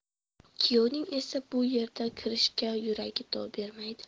kuyovning esa bu yerga kirishga yuragi dov bermaydi